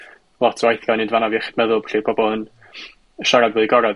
lot o waith ga'l ' neud fan 'na 'fo iechyd meddwl felly pobol yn siarad fwy agorad.